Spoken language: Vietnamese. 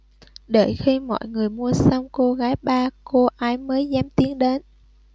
đợi khi mọi người mua xong cô gái pa cô ấy mới dám tiến đến